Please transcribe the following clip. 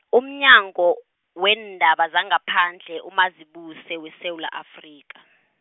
umnyango, weendaba zangaphandle uMazibuse weSewula Afrika.